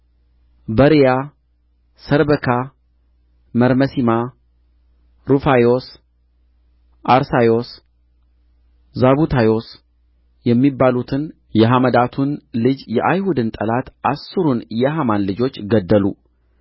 በርያ ሰርባካ መርመሲማ ሩፋዮስ አርሳዮስ ዛቡታዮስ የሚባሉትን የሐመዳቱን ልጅ የአይሁድን ጠላት አሥሩን የሐማን ልጆች ገደሉ